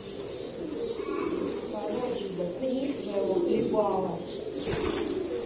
короче заткнись своего хлебала